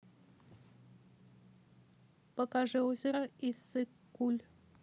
покажи озеро иссык куль